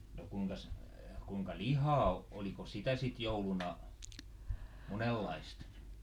no kuinkas kuinka lihaa oliko sitä sitten jouluna monenlaista